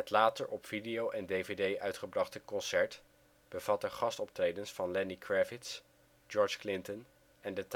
later op video en dvd uitgebrachte concert bevatte gastoptredens van Lenny Kravitz, George Clinton en The Time